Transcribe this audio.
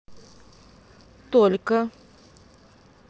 только